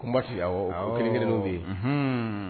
Kunbasi awɔ o kelen kelen nu be ye.